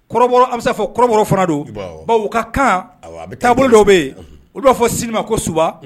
Kɔrɔbɔrɔ an be se ka fɔ kɔrɔbɔrɔ fana don uwa wo bawo u ka kan awɔ a be taabolo dɔw be ye olu b'a fɔ sini ma ko suba